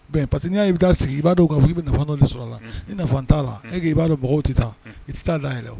Mais parce que n y'a' bɛ taa sigi i b'a don ka fɔ i bɛ nafan dɔ de sɔrɔ ala, unhun, ni nafan t'a la et que i b'a don mɔgɔw tɛ taa, i tɛ taa dayɛlɛ woo.